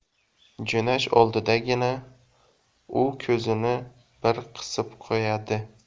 jo'nash oldidagina u ko'zini bir qisib qo'yadi